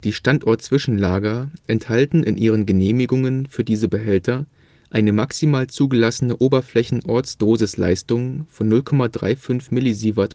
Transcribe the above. Standort-Zwischenlager enthalten in ihren Genehmigungen für diese Behälter eine maximal zugelassene Oberflächenortsdosisleistung von 0,35 mSv/h